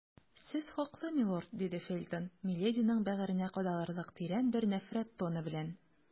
Сез хаклы, милорд, - диде Фельтон милединың бәгыренә кадалырлык тирән бер нәфрәт тоны белән.